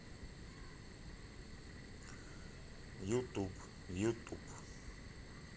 youtube youtube